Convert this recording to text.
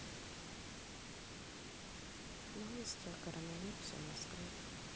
новости о коронавирусе в москве